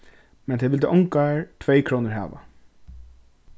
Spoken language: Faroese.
men tey vildu ongar tveykrónur hava